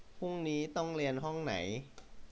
พรุ่งนี้ต้องเรียนห้องไหน